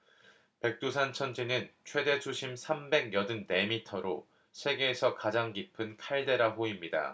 백두산 천지는 최대 수심 삼백 여든 네 미터로 세계에서 가장 깊은 칼데라 호입니다